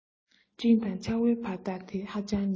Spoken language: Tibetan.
སྤྲིན དང ཆར བའི བར ཐག ཧ ཅང ཉེ